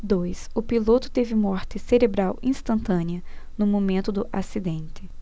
dois o piloto teve morte cerebral instantânea no momento do acidente